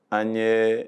An ye